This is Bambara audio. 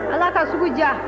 ala ka sugu diya